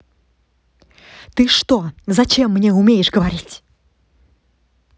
ты что зачем мне умеешь говорить